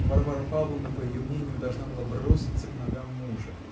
Варвара Павловна, по ее мнению, должна была броситься к ногам мужа.